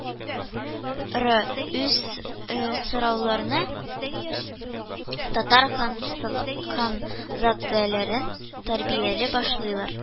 Ры үз сарайларында татар ханза дәләрен тәрбияли башлыйлар